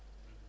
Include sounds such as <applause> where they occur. <hesitation> <hesitation>